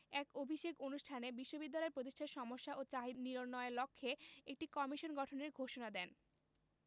এক অভিষেক অনুষ্ঠানে বিশ্ববিদ্যালয় প্রতিষ্ঠার সমস্যা ও চাহিদা নির্ণয়ের লক্ষ্যে একটি কমিশন গঠনের ঘোষণা দেন